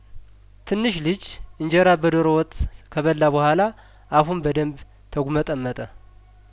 ትንሽ ልጅ እንጀራ በዶሮ ወጥ ከበላ በኋላ አፉን በደምብ ተጉመጠመጠ